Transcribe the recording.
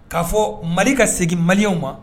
K'a fɔ mali ka segin maliw ma